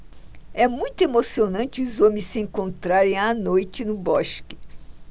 é muito emocionante os homens se encontrarem à noite no bosque